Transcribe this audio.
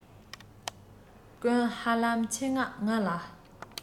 ཀུན ཧ ལམ ཆེད མངགས ང ལ